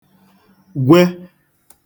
gwe